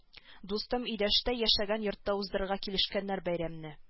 Дустым өйдәштә яшәгән йортта уздырырга килешкәннәр бәйрәмне